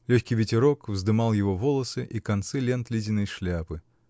легкий ветерок вздымал его волосы и концы лент Лизиной шляпы.